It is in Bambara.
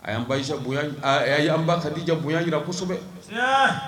A ba an ba ka dija bonyayan jira kosɛbɛ